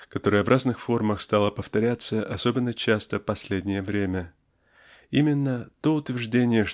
которая в разных формах стала повторяться особенно часто последнее время именно то утверждение